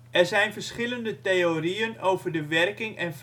zijn verschillende theorieën over de werking en